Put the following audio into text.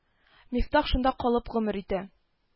Мифтах шунда калып гомер итә